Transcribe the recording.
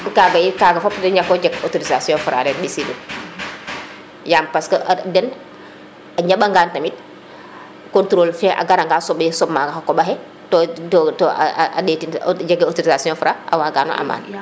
ka it kaga fop yit niako jeg autorisation Fra rek mbisidun yam parce que den a njaɓanga tamit controle fe a gara nga gar soɓ meen xa qoɓaxe to a a ndetin jege autorisation Fra a wagano amane